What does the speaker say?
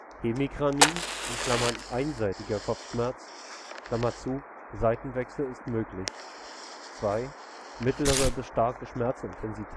Hemikranie (einseitiger Kopfschmerz), Seitenwechsel ist möglich mittlere bis starke Schmerzintensität